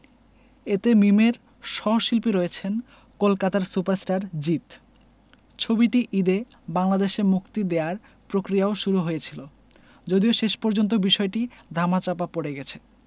এতে মিমের সহশিল্পী রয়েছেন কলকাতার সুপারস্টার জিৎ ছবিটি ঈদে বাংলাদেশে মুক্তি দেয়ার প্রক্রিয়াও শুরু হয়েছিল যদিও শেষ পর্যন্ত বিষয়টি ধামাচাপা পড়ে গেছে